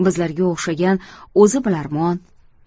bizlarga o'xshagan o'zi bilarmon